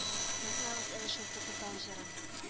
Тыңлагыз әле шул тыпырдау җырын